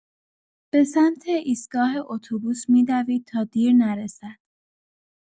به سمت ایستگاه اتوبوس می‌دوید تا دیر نرسد.